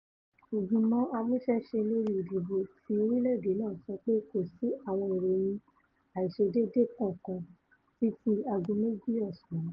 Ìgbìmọ̀ amúṣẹ́ṣe lóri ìdìbò ti orílẹ̀-èdè náà sọ pé kòsí àwọn ìròyìn àìṣedéédéé kankan títí aago méjì ọ̀sán.